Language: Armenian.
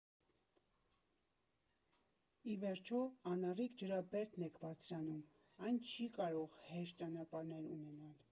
Ի վերջո անառիկ Ջրաբերդն եք բարձրանում, այն չի կարող հեշտ ճանապարհներ ունենալ։